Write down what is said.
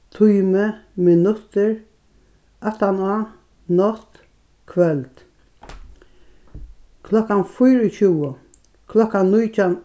tími minuttir aftaná nátt kvøld klokkan fýraogtjúgu klokkan nítjan